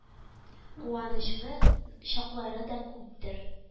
Куанычлы чаклары да күптер